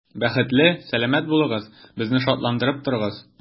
Бәхетле, сәламәт булыгыз, безне шатландырып торыгыз.